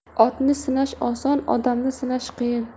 otni sinash oson odamni sinash qiyin